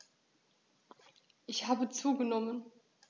Ich habe zugenommen.